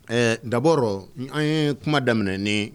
Ɛɛ d'abord an ye kuma daminɛ ni